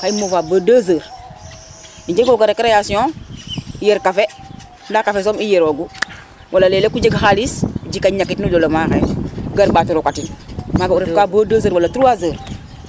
ka i mofa bo 2 heures i njego ga récréation yer café nda cafe som i rere gu wala leg leg o jeg xalis jika ñakit nu jolo ma xey gar mbato rokatin maga o ref ka bo 2 heures wala 3 heures